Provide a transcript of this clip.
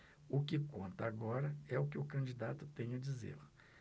o que conta agora é o que o candidato tem a dizer